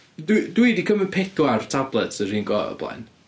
Dwi dwi 'di cymryd pedwar tablet ar un go o'r blaen.